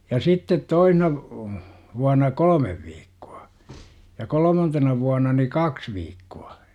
ja sitten toisena vuonna kolme viikkoa ja kolmantena vuonna niin kaksi viikkoa